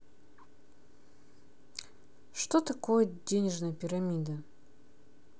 что такое денежная пирамида